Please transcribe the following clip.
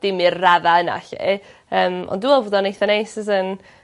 dim i'r radda yna 'lly. Yym ond dwi me'wl bod o'n eitha neis as in